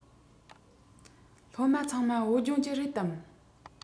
སློབ མ ཚང མ བོད ལྗོངས ཀྱི རེད དམ